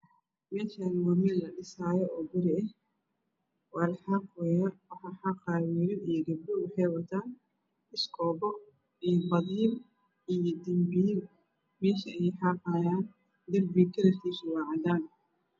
Meeshaani waa meel la dhisaayo oo guri la xaaqaayo wiilal iyo gabdho waxay wataan badeel iyo danbiil meesha ayey xaqayaan darbiga kalarkiisa waa cadaan